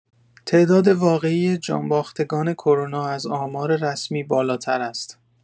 تعداد واقعی جان‌باختگان کرونا از آمار رسمی بالاتر است.